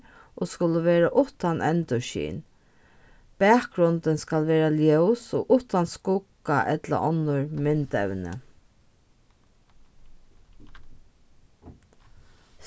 og skulu vera uttan endurskin bakgrundin skal vera ljós og uttan skugga ella onnur myndevni